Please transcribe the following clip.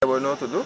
yaa bóoy noo tudd